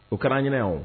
O kɛra ɲɛ o